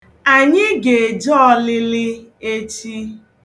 Anyị ga-eje ọlịlị echị.